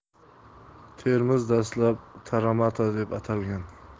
termiz dastlab taramata deb atalgan